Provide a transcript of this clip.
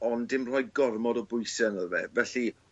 ond dim rhoi gormod o bwyse arno fe felly